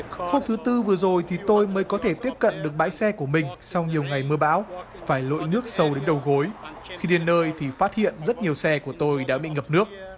hôm thứ tư vừa rồi thì tôi mới có thể tiếp cận được bãi xe của mình sau nhiều ngày mưa bão phải lội nước sâu đến đầu gối khi đến nơi thì phát hiện rất nhiều xe của tôi đã bị ngập nước